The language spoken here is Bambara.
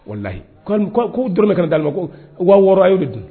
Walahi ko al'u ni ko a k'o dɔrɔmɛ kana d'ale ma ko 6000 a y'o de dun